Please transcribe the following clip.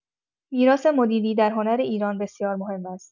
میراث مدیری در هنر ایران بسیار مهم است.